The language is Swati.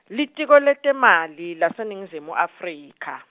Litiko letetimali, lwaseNingizimu Afrika.